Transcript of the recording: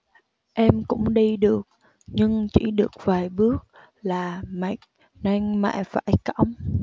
em cũng đi được nhưng chỉ được vài bước là mệt nên mẹ phải cõng